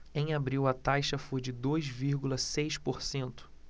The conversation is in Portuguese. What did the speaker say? em abril a taxa foi de dois vírgula seis por cento